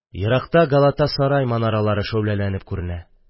Еракта Галата сарай манаралары шәүләләнеп күренә.